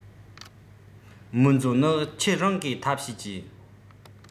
རྨོན མཛོ ནི ཁྱེད རང གི ཐབས ཤེས གྱིས